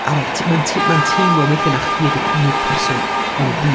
Araidd. T- ma'n t- ma'n teimlo weithiau 'na chdi ydy'r unig person yn y byd.